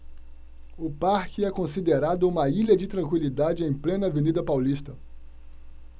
o parque é considerado uma ilha de tranquilidade em plena avenida paulista